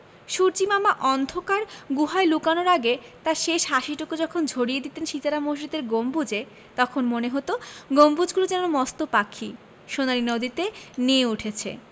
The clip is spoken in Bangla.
সূর্য্যিমামা অন্ধকার গুহায় লুকানোর আগে তাঁর শেষ হাসিটুকু যখন ঝরিয়ে দিতেন সিতারা মসজিদের গম্বুজে তখন মনে হতো গম্বুজগুলো যেন মস্ত পাখি সোনালি নদীতে নেয়ে উঠেছে